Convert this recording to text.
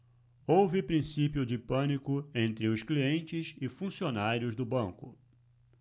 houve princípio de pânico entre os clientes e funcionários do banco